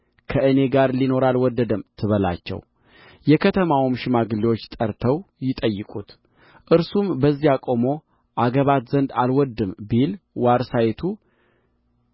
ከእኔ ጋር ሊኖርም አልወደደም ትበላቸው የከተማውም ሽማግሌዎች ጠርተው ይጠይቁት እርሱም በዚያ ቆሞ አገባት ዘንድ አልወድድም ቢል ዋርሳይቱ